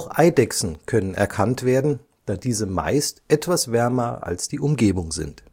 Eidechsen können erkannt werden, da diese meist etwas wärmer als die Umgebung sind